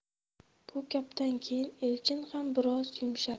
bu gapdan keyin elchin ham biroz yumshadi